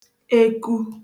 eku